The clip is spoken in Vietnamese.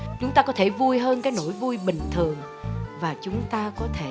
chúng ta có thể vui hơn cái nỗi vui bình thường và chúng ta có thể